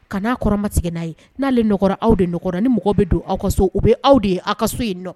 Kan'a kɔrɔmatigɛ n'a ye, n'ale nɔgɔra aw de nɔgɔrɔ ni mɔgɔ bɛ don aw ka so u bɛ aw de ye aw ka so yen nɔ